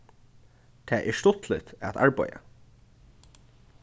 tað er stuttligt at arbeiða